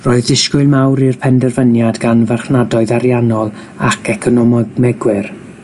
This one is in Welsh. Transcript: Roedd disgwyl mawr i'r penderfyniad gan farchnadoedd ariannol ac economo- megwyr.